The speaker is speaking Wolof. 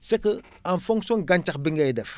c' est que en fonction gàncax bi ngay def